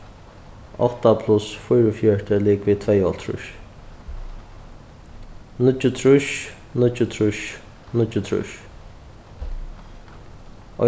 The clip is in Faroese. átta pluss fýraogfjøruti ligvið tveyoghálvtrýss níggjuogtrýss níggjuogtrýss níggjuogtrýss